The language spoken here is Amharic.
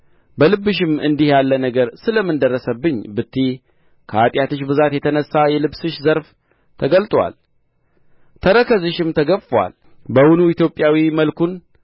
በልብሽም እንዲህ ያለ ነገር ስለ ምን ደረሰብኝ ብትዪ ከኃጢአትሽ ብዛት የተነሣ የልብስሽ ዘርፍ ተገልጦአል ተረከዝሽም ተገፍፎአል በውኑ ኢትዮጵያዊ መልኩን